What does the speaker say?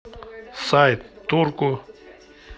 сайт турку